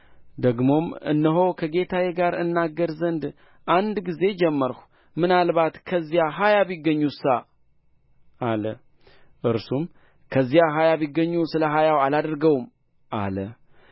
ደግሞም እነሆ ከጌታዬ ጋር እናገር ዘንድ አንድ ጊዜ ጀመርሁ ምናልባት ከዚያ ሀያ ቢገኙሳ አለ እርሱም ከዚያ ሀያ ቢገኙ ስለ ሀያው አላደርገውም አለ